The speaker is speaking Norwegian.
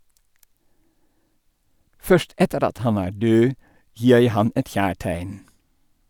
"Først etter at han er død, gir jeg han et kjærtegn."